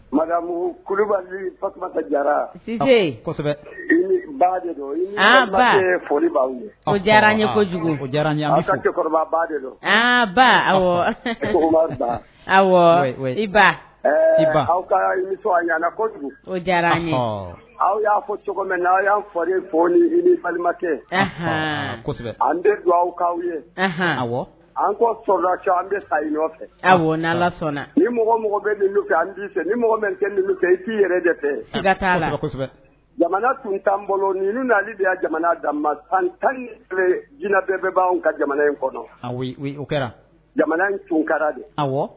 Kojugu de aw kojugu aw y'a fɔ cogo n aw y' fɔ fɔ i ni balimakɛ an don aw awaw ye aw anda an bɛ sa nɔfɛ sɔnna ni mɔgɔ bɛ kɛ an ni mɔgɔ kɛ kɛ i'i yɛrɛ de fɛ jamana tun tan bolo ni nali de jamana dan tan tan jinɛina bɛɛ bɛ b' anwanw ka jamana in kɔnɔ kɛra jamana inkara de aw